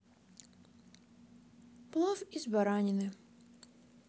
плов из баранины